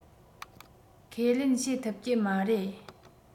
ཁས ལེན བྱེད ཐུབ ཀྱི མ རེད